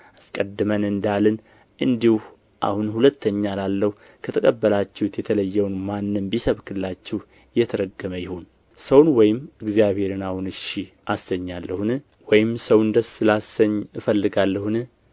አስቀድመን እንዳልን እንዲሁ አሁን ሁለተኛ እላለሁ ከተቀበላችሁት የተለየውን ማንም ቢሰብክላችሁ የተረገመ ይሁን ሰውን ወይስ እግዚአብሔርን አሁን እሺ አሰኛለሁን ወይም ሰውን ደስ ላሰኝ እፈልጋለሁን